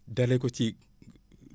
dalee ko ci